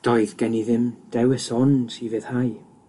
Doedd gen i ddim dewis ond ufuddhau.